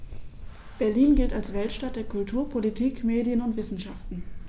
Berlin gilt als Weltstadt der Kultur, Politik, Medien und Wissenschaften.